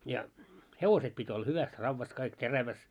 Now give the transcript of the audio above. ja hevoset piti olla hyvässä raudassa kaikki terävässä